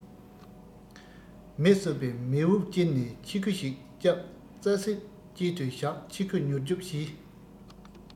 མེ གསོད པས མེ འོབ དཀྱིལ ནས ཁྱི གུ ཞིག སྐྱབས རྩ གསེབ དཀྱིལ དུ བཞག ཁྱི གུ མྱུར སྐྱོབ བྱས